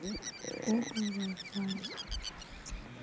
гугл вай фай